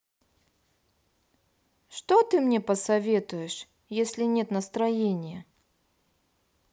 что ты мне посоветуешь если нет настроения